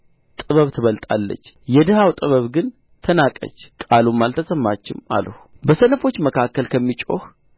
ጥበብ ትበልጣለች የድሀው ጥበብ ግን ተናቀች ቃሉም አልተሰማችም አልሁ በሰነፎች መካከል ከሚጮኽ